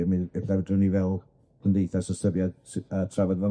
ni fe'wl Cymdeithas ystyriad s- yy trafod 'fo...